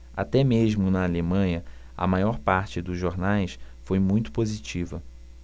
até mesmo na alemanha a maior parte dos jornais foi muito positiva